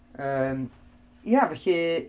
Yym, ia felly...